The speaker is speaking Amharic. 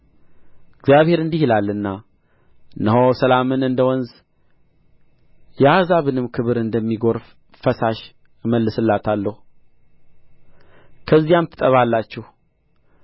እግዚአብሔር እንዲህ ይላልና እነሆ ሰላምን እንደ ወንዝ የአሕዛብንም ክብር እንደሚጐርፍ ፈሳሽ እመልስላታለሁ ከዚያም ትጠባላችሁ